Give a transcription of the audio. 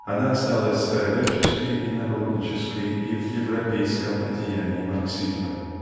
она осталась староверческой и народнической и в европейском одеянии марксизма.